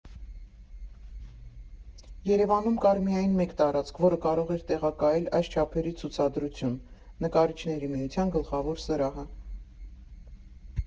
Երևանում կար միայն մեկ տարածք, որը կարող էր տեղակայել այս չափերի ցուցադրություն՝ Նկարիչների միության գլխավոր սրահը։